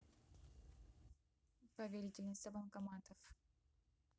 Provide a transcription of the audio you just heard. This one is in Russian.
повелительница банкоматов